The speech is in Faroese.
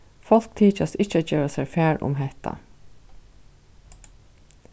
fólk tykjast ikki at geva sær far um hetta